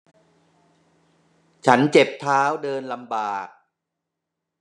ฉันเจ็บเท้าเดินลำบาก